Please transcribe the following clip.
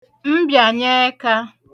mbị̀ànyeẹkā